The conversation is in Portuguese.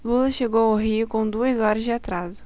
lula chegou ao rio com duas horas de atraso